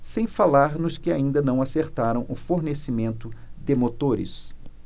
sem falar nos que ainda não acertaram o fornecimento de motores